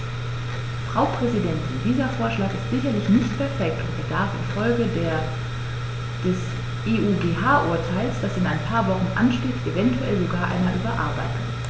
Frau Präsidentin, dieser Vorschlag ist sicherlich nicht perfekt und bedarf in Folge des EuGH-Urteils, das in ein paar Wochen ansteht, eventuell sogar einer Überarbeitung.